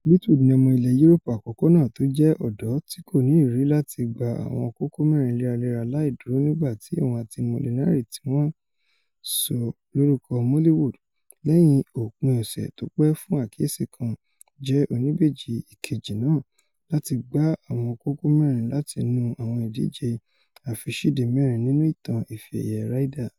Fleetwood ni ọmọ ilẹ̀ Yuroopu àkọ́kọ́ náà tójẹ́ ọ̀dọ́ tíkòní ìrírí láti gba àwọn kókó mẹ́rin léra-léra láìdúró nígbà tí òun ati Molinari tíwọ́n sọ lórúkọ ''Molliwood'' lẹ́yìn òpin-ọ̀sẹ̀ tópè fún àkíyèsí kan jẹ́ oníbejì ìkejì náà láti gba àwọn kókó mẹ́rin láti inú àwọn ìdíje àfisíde mẹ́rin nínú ìtan Ife-ẹ̀yẹ Ryder.